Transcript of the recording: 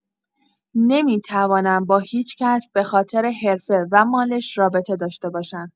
نمی‌توانم با هیچ‌کس به‌خاطر حرفه و مالش رابطه داشته باشم.